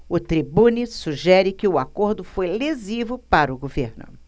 o tribune sugere que o acordo foi lesivo para o governo